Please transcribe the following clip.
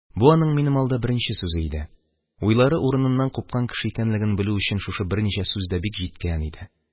Бу аның минем алда беренче сүзе иде, уйлары урыныннан купкан кеше икәнлеген белү өчен шушы берничә сүз дә бик җиткән иде.